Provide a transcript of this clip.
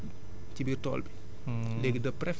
feebar bi day ñëwaat ci biir tool bi